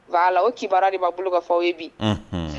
Voila o kibara de b'aw bolo ka fɔ a' ye bi, unhun